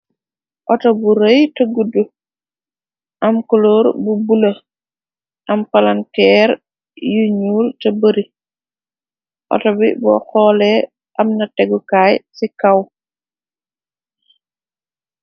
Auto bu rëy te guddu am coloor bu bula am palanteer yu ñuul te bari ato bi bo xoolee amna tegukaay ci kaw.